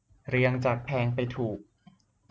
เรียงจากแพงไปถูก